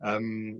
Yym